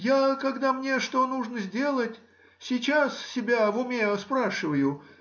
Я, когда мне что нужно сделать, сейчас себя в уме спрашиваю